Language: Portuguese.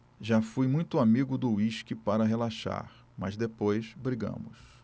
já fui muito amigo do uísque para relaxar mas depois brigamos